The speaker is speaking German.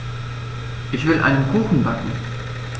Ich will einen Kuchen backen.